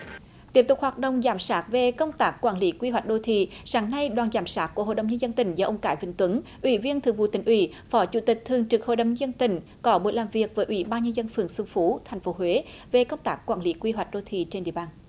tiếp tục hoạt động giám sát về công tác quản lý quy hoạch đô thị sáng nay đoàn giám sát của hội đồng nhân dân tỉnh do ông cái vĩnh tuấn ủy viên thường vụ tỉnh ủy phó chủ tịch thường trực hội đồng nhân dân tỉnh có buổi làm việc với ủy ban nhân dân phường xuân phú thành phố huế về công tác quản lý quy hoạch đô thị trên địa bàn